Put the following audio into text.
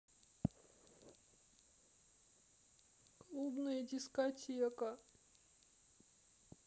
клубная дискотека